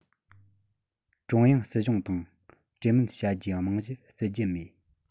ཀྲུང དབྱང སྲིད གཞུང དང གྲོས མོལ བྱ རྒྱུའི རྨང གཞི བརྩི རྒྱུ མེད